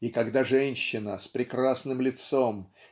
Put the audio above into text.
И когда женщина с прекрасным лицом